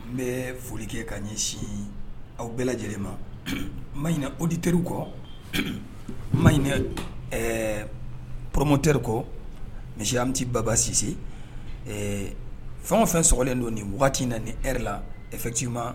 N bɛ foli kɛ ka ɲɛsin aw bɛɛ lajɛlen ma n maɲina odi terir kɔ n maɲ poromo teriri kɔ misimiti bababa sisi fɛn fɛn solen don nin waati wagati na ni eri la ɛ fɛti ma